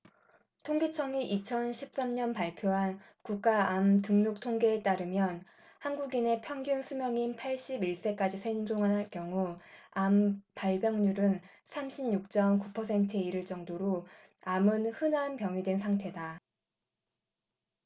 통계청이 이천 십 삼 년 발표한 국가암등록통계에 따르면 한국인의 평균수명인 팔십 일 세까지 생존할 경우 암발병률은 삼십 육 쩜 구 퍼센트에 이를 정도로 암은 흔한 병이 된 상태다